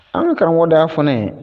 An ka karamɔgɔda fana ye